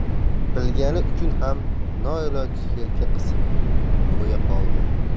bilgani uchun ham noiloj yelka qisib qo'ya qoldi